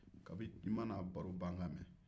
kabin'i mana baro ban kan mɛn